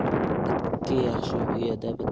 ikki yaxshi uyada